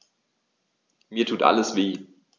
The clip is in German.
Mir tut alles weh.